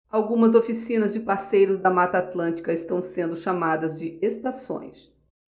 algumas oficinas de parceiros da mata atlântica estão sendo chamadas de estações